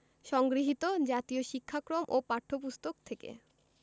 সংগৃহীত জাতীয় শিক্ষাক্রম ও পাঠ্যপুস্তক থেকে